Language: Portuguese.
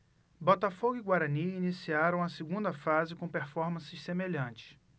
botafogo e guarani iniciaram a segunda fase com performances semelhantes